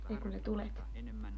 ei kun ne tulet